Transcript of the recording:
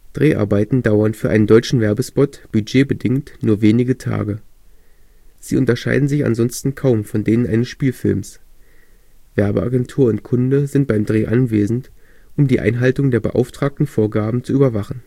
Dreharbeiten dauern für einen deutschen Werbespot budgetbedingt nur wenige Tage. Sie unterscheiden sich ansonsten kaum von denen eines Spielfilms. Werbeagentur und Kunde sind beim Dreh anwesend um die Einhaltung der beauftragten Vorgaben zu überwachen